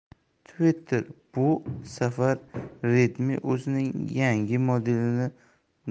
twitterbu safar redmi o'zining yangi modelini